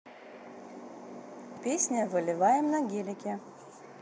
песня выливаем на гелике